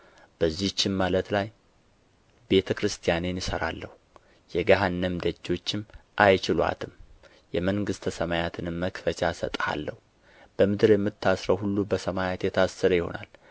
በዚችም ዓለት ላይ ቤተ ክርስቲያኔን እሠራለሁ የገሃነም ደጆችም አይችሉአትም የመንግሥተ ሰማያትንም መክፈቻዎች እሰጥሃለሁ በምድር የምታስረው ሁሉ በሰማያት የታሰረ ይሆናል